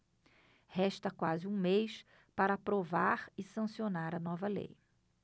resta quase um mês para aprovar e sancionar a nova lei